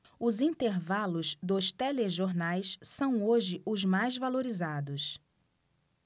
os intervalos dos telejornais são hoje os mais valorizados